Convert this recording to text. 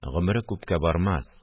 Гомере күпкә бармас